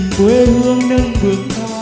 quê hương nâng bước